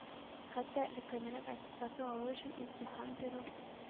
Хәтта өлгергәнлек аттестаты алу өчен имтихан бирү,